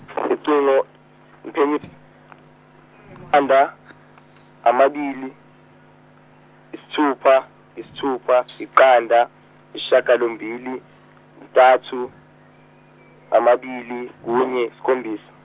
ucingo uci- -qanda amabili, isithupha isithupha iqanda, ishagalombili zintathu, amabili kunye isikhombisa.